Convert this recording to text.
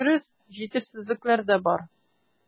Дөрес, җитешсезлекләр дә бар.